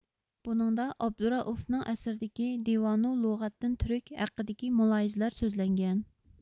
بۇنىڭدا ئابدۇرائۇفنىڭ ئەسىرىدىكى دىۋانۇ لۇغەتىن تۈرك ھەققىدىكى مۇلاھىزىلەر سۆزلەنگەن